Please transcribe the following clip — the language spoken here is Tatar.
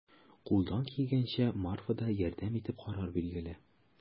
Кулдан килгәнчә Марфа да ярдәм итеп карар, билгеле.